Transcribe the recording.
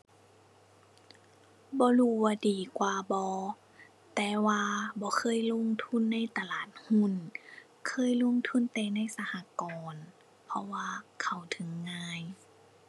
บ่รู้ว่าดีกว่าบ่ แต่ว่าบ่เคยลงทุนในตลาดหุ้น เคยลงทุนแต่ในสหกรณ์ เพราะว่าเข้าถึงง่าย